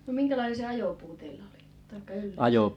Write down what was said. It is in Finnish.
no minkälainen se ajopuu teillä oli tai -